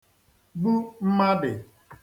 gbu mmadị̀